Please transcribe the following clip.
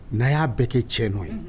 ' y'a bɛɛ k kɛ cɛ n' ye